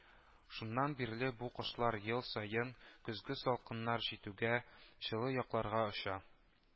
Шуннан бирле бу кошлар ел саен көзге салкыннар җитүгә җылы якларга оча